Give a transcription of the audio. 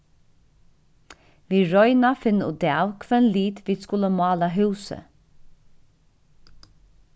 vit royna finna útav hvønn lit vit skulu mála húsið